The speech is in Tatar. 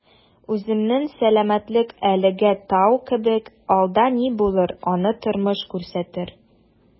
Үземнең сәламәтлек әлегә «тау» кебек, алда ни булыр - аны тормыш күрсәтер...